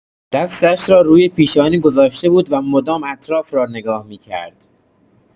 دستش را روی پیشانی گذاشته بود و مدام اطراف را نگاه می‌کرد.